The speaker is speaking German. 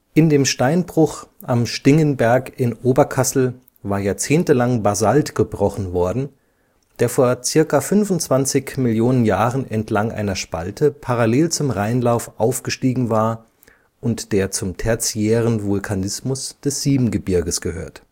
In dem Steinbruch „ Am Stingenberg “in Oberkassel war jahrzehntelang Basalt gebrochen worden, der vor ca. 25 Millionen Jahren entlang einer Spalte parallel zum Rheinlauf aufgestiegen war und der zum tertiären Vulkanismus des Siebengebirges gehört